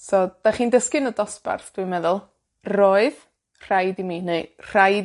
So, 'dach chi'n dysgu yn y dosbarth, dwi'n meddwl, roedd rhaid i mi, neu rhaid